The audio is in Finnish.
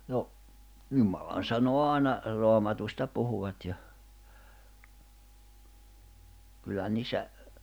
no jumalansanaa aina Raamatusta puhuivat ja kyllähän niissä